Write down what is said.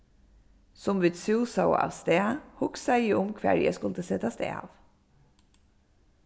sum vit súsaðu avstað hugsaði eg um hvar ið eg skuldi setast av